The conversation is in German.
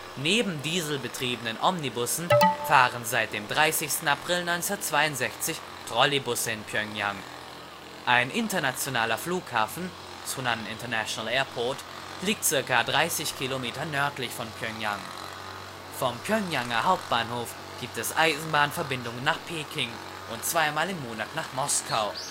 Neben dieselbetriebenen Omnibussen fahren seit 30. April 1962 Trolleybusse in Pjöngjang. Ein internationaler Flughafen, Sunan International Airport, liegt circa 30 Kilometer nördlich von Pjöngjang. Vom Pjöngjanger Hauptbahnhof gibt es Eisenbahnverbindungen nach Peking und zweimal im Monat nach Moskau